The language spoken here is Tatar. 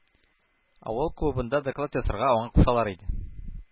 Авыл клубында доклад ясарга аңа кушалар иде.